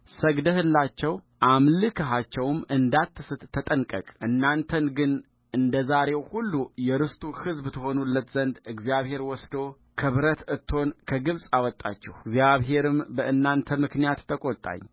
እናንተን ግን እንደ ዛሬው ሁሉ የርስቱ ሕዝብ ትሆኑለት ዘንድ እግዚአብሔር ወስዶ ከብረት እቶን ከግብፅ አወጣችሁእግዚአብሔርም በእናንተ ምክንያት ተቈጣኝ